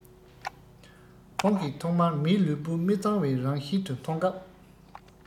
ཁོང གིས ཐོག མར མིའི ལུས པོའི མི གཙང བའི རང བཞིན དུ མཐོང སྐབས